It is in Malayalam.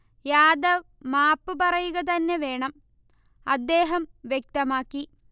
യാദവ് മാപ്പ് പറയുക തന്നെ വേണം, അ്ദദേഹം വ്യക്തമാക്കി